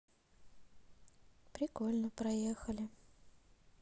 прикольно проехали